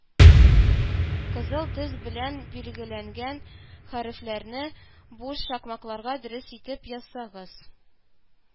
Кызыл төс белән билгеләнгән хәрефләрне буш шакмакларга дөрес итеп язсагыз,